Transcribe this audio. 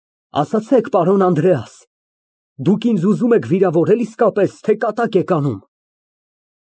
Ասացեք, պարոն Անդրեաս, դուք ինձ ուզում եք վիրավորել իսկապես, թե՞ կատակ եք անում։